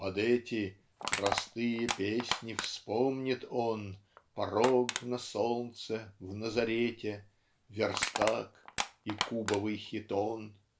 под эти Простые песни вспомнит Он Порог на солнце в Назарете Верстак и кубовый хитон.